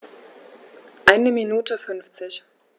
Eine Minute 50